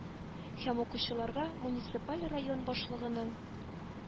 Һәм укучыларга муниципаль район башлыгының